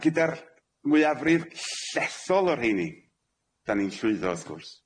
A gyda'r mwyafrif llethol o rheini, 'dan ni'n llwyddo wrth gwrs,